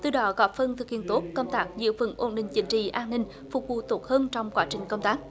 từ đó góp phần thực hiện tốt công tác giữ vững ổn định chính trị an ninh phục vụ tốt hơn trong quá trình công tác